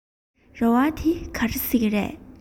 རེ བ ད ག ཟེ རེད